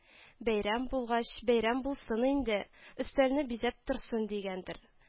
Бәйрәм булгач, бәйрәм булсын инде, өстәлне бизәп торсын дигәндер